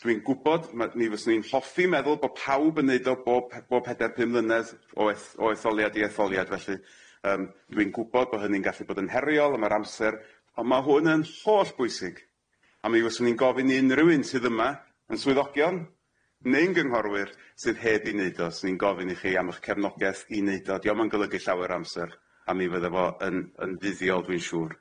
Dwi'n gwbod ma' ni fyswn i'n hoffi meddwl bo' pawb yn neud o bob pe- bob peder pum mlynedd o eth- o etholiad i etholiad felly yym dwi'n gwbod bo' hynny'n gallu bod yn heriol am yr amser on' ma' hwn yn holl bwysig a mi fyswn i'n gofyn i unrywun sydd yma yn swyddogion neu'n gynghorwyr sydd heb i neud o swn i'n gofyn i chi am y'ch cefnogeth i neud o. Dio'm yn golygu llawer o amser a mi fydda fo yn yn fyddiol dwi'n siŵr.